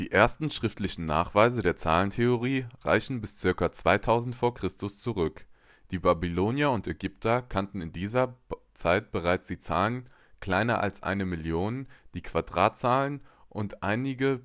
ersten schriftlichen Nachweise der Zahlentheorie reichen bis ca. 2000 v. Chr. zurück. Die Babylonier und Ägypter kannten in dieser Zeit bereits die Zahlen kleiner als eine Million, die Quadratzahlen und einige